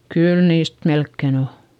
kyllä niistä melkein on